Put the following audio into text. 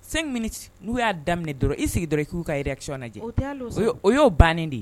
Sen n'u y'a daminɛ dɔrɔn i sigi dɔrɔn k'u ka yɛrɛc lajɛ o y'o bannen de ye